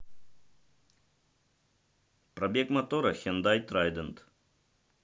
пробег мотора хендай трайдент